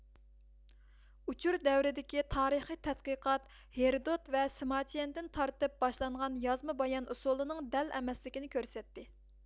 ئۇچۇر دەۋرىدىكى تارىخىي تەتقىقات ھېرودود ۋە سىماچيەندىن تارتىپ باشلانغان يازما بايان ئۇسۇلىنىڭ دەل ئەمەسلىكىنى كۆرسەتتى